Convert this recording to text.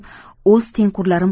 o'z tengqurlarim